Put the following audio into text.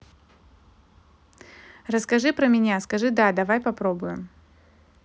расскажи про меня скажи да давай попробуем